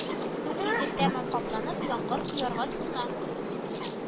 Күк йөзе тәмам капланып, яңгыр коярга тотына